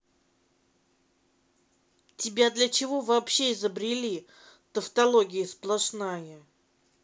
тебя для чего вообще изобрели тавтология сплошная